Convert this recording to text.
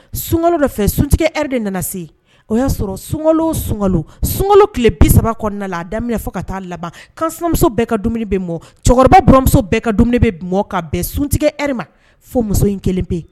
Sunkalo dɔ fɛ suntigi heure de nana se, o y'a sɔrɔ sunkalo o sunkalo, sunkalo tile bi saba kɔnɔna na a daminɛmina fɔ ka taa laban kansinamuso bɛɛ ka dumuni bɛ mɔ, cɛkɔrɔba buranmuso bɛɛ ka dumuni bɛ mɔ ka bɛn suntigi heure ma fo muso in kelen pe